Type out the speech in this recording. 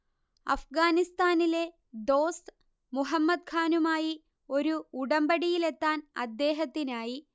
അഫ്ഗാനിസ്താനിലെ ദോസ്ത് മുഹമ്മദ് ഖാനുമായി ഒരു ഉടമ്പടിയിലെത്താൻ അദ്ദേഹത്തിനായി